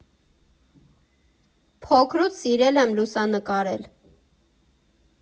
Փոքրուց սիրել եմ լուսանկարել։